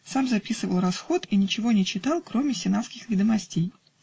сам записывал расход и ничего не читал, кроме "Сенатских ведомостей".